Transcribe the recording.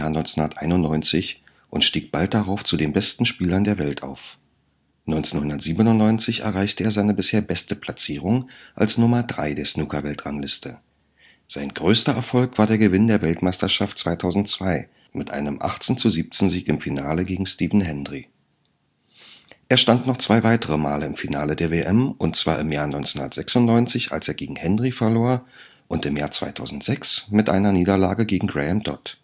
1991 und stieg bald zu den besten Spielern der Welt auf. 1997 erreichte er seine bisher beste Platzierung als Nummer 3 der Snookerweltrangliste. Sein größter Erfolg war der Gewinn der Weltmeisterschaft 2002 mit einem 18:17-Sieg im Finale gegen Stephen Hendry. Er stand noch zwei weitere Male im Finale der WM. 1996 verlor er gegen Hendry und 2006 gegen Graeme Dott